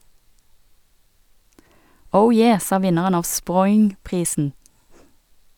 Oh yeah, sa vinneren av Sproingprisen.